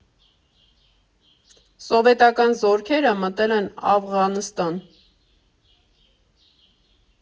Սովետական զորքերը մտել են Աֆղանստան։